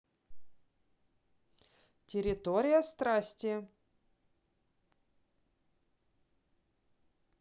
территория страсти